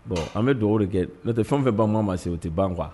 Bon an bɛ dugawu de kɛ n'o tɛ fɛn o fɛn bantuma ma se o tɛ ban quoi